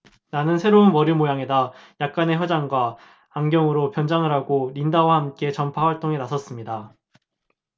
나는 새로운 머리 모양에다 약간의 화장과 안경으로 변장을 하고 린다와 함께 전파 활동에 나섰습니다